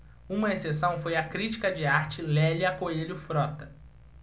uma exceção foi a crítica de arte lélia coelho frota